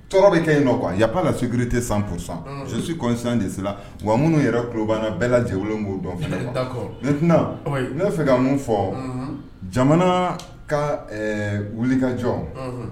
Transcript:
Tɔɔrɔɔrɔ bɛ kɛ yen nɔ kuwa a ya' la sugte san fo san sosi kɔnsan dese wa minnu yɛrɛ kuba bɛɛ lajɛlen b'o dɔn fɛ tɛna n'a fɛ ka mun fɔ jamana ka wulikajɔ